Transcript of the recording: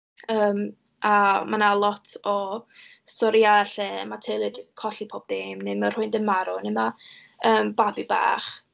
Yym, a ma' na lot o storïau lle ma' teulu 'di colli pob dim, neu ma' rhywun yn marw neu ma', yym, babi bach.